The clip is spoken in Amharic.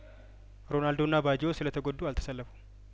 ሮናልዶና ባጅዮ ስለተጐዱ አልተሰለፉም